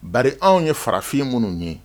Ba anw ye farafin minnu ye